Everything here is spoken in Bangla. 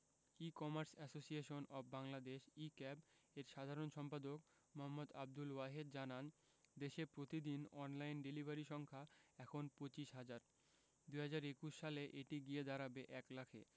E commerce association of Bangladesh e CAB এর সাধারণ সম্পাদক মো. আবদুল ওয়াহেদ জানান দেশে প্রতিদিন অনলাইন ডেলিভারি সংখ্যা এখন ২৫ হাজার ২০২১ সালে এটি গিয়ে দাঁড়াবে ১ লাখে